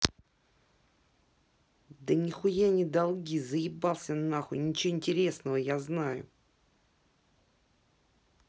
да нихуя не долги заебался нахуй ничего интересного я знаю